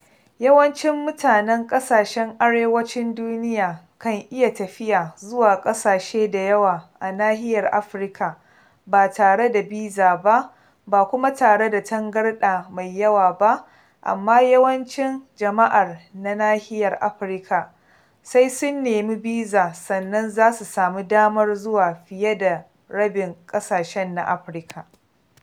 Yawancin mutanen ƙasashen arewacin duniya kan iya tafiya zuwa ƙasashe da yawa a nahiyar Afirka ba tare da biza ba, ba kuma tare da tangarɗa mai yawa ba, amma yawancin jama'ar na nahiyar Afirka sai sun nemi biza sannan za su sami damar zuwa fiye da rabin ƙasashen na Afirka.